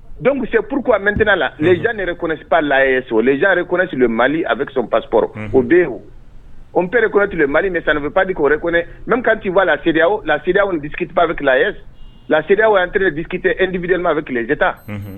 Don se pur a mɛnten la yɛrɛre kosip la son re koɛsitule mali a bɛ son paspɔ o bɛ n ppɛreɛtule mali sanfɛ padi o re kɔnɛ n kan tti bɔ lareriyaya lasiriya ni disikitipbaa bɛ kilaye layiriyaw anre dikite ndipbidina bɛ kilejatata